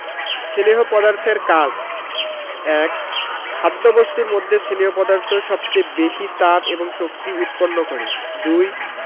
স্নেহ পদার্থের কাজ ১. খাদ্যবস্তুর মধ্যে স্নেহ পদার্থ সবচেয়ে বেশী তাপ এবং শক্তি উৎপন্ন করে ২.